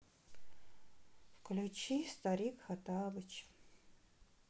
включи старик хоттабыч